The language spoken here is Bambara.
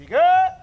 Ee